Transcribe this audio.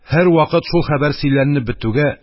Һәрвакыт шул хәбәр сөйләнеп бетүгә,